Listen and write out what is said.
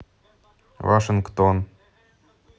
вашингтон